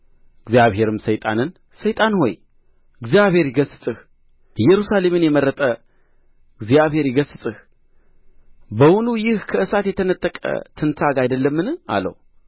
እግዚአብሔርም ሰይጣንን ሰይጣን ሆይ እግዚአብሔር ይገሥጽህ ኢየሩሳሌምን የመረጠ እግዚአብሔር ይገሥጽህ በውኑ ይህ ከእሳት የተነጠቀ ትንታግ አይደለምን አለው